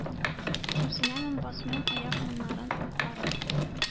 Кимсенәмен, басмыйм аяк моннан ары